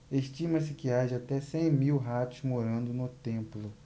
estima-se que haja até cem mil ratos morando no templo